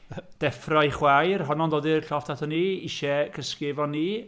Deffro ei chwaer, honno'n dod i'r llofft atan ni, isie cysgu efo ni.